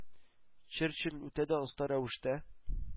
Черчилль үтә дә оста рәвештә